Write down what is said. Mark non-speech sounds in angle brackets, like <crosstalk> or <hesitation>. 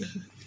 <hesitation> <hesitation>